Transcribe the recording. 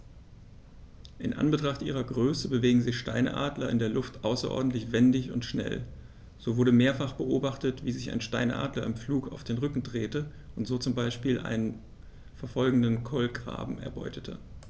In Anbetracht ihrer Größe bewegen sich Steinadler in der Luft außerordentlich wendig und schnell, so wurde mehrfach beobachtet, wie sich ein Steinadler im Flug auf den Rücken drehte und so zum Beispiel einen verfolgenden Kolkraben erbeutete.